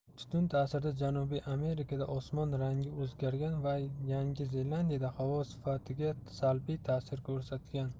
tutun ta'sirida janubiy amerikada osmon rangi o'zgargan va yangi zelandiyada havo sifatiga salbiy ta'sir ko'rsatgan